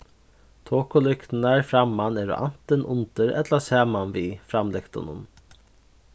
tokulyktirnar framman eru antin undir ella saman við framlyktunum